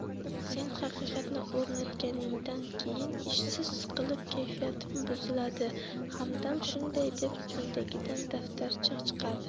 sen haqiqatni o'rnatganingdan keyin ishsiz siqilib kayfiyatim buziladi hamdam shunday deb cho'ntagidan daftarcha chiqardi